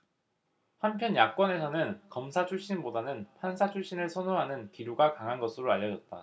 한편 야권에서는 검사 출신보다는 판사 출신을 선호하는 기류가 강한 것으로 알려졌다